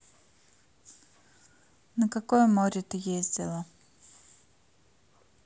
на какое море ты ездила